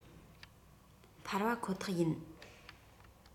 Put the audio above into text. འཕར བ ཁོ ཐག ཡིན